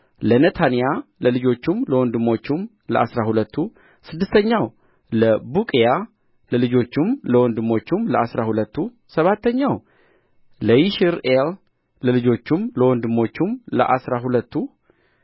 ለነታንያ ለልጆቹም ለወንድሞቹም ለአሥራ ሁለቱ ስድስተኛው ለቡቅያ ለልጆቹም ለወንድሞቹም ለአሥራ ሁለቱ ሰባተኛው ለይሽርኤል ለልጆቹም ለወንድሞቹም ለአሥራ ሁለቱ